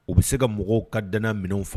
U bɛ se ka mɔgɔw ka dan minɛn faga